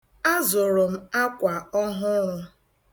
Azụrụ m akwa ọhụrụ.